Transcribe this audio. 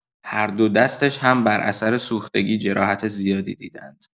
هر دو دستش هم بر اثر سوختگی جراحت زیادی دیده‌اند.